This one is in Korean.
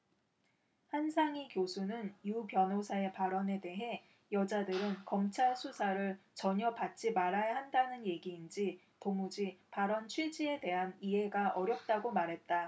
한상희 교수는 유 변호사의 발언에 대해 여자들은 검찰수사를 전혀 받지 말아야 한다는 얘기인지 도무지 발언 취지에 대한 이해가 어렵다고 말했다